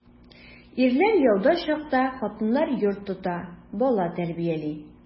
Ирләр яуда чакта хатыннар йорт тота, бала тәрбияли.